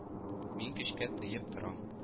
Мин көчкә тыеп торам